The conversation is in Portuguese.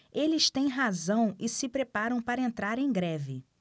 eles têm razão e se preparam para entrar em greve